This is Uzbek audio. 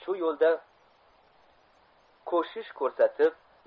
shu yo'lda ko'shish ko'rsatib